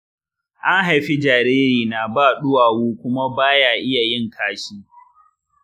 an haifi jaririna ba duwawu kuma ba ya iya yin kashi.